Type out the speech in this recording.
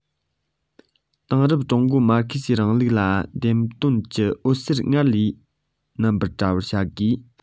དེང རབས ཀྲུང གོའི མར ཁེ སིའི རིང ལུགས ལ བདེན དོན གྱི འོད ཟེར སྔར བས རྣམ པར བཀྲ བར བྱ དགོས